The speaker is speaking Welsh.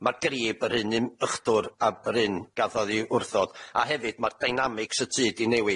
Ma'r grib yr un un ychdwr â'r un gafodd 'i wrthod, a hefyd ma'r dynamics y tŷ 'di newid.